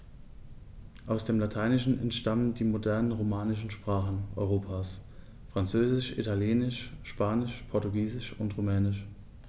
Aus dem Lateinischen entstanden die modernen „romanischen“ Sprachen Europas: Französisch, Italienisch, Spanisch, Portugiesisch und Rumänisch.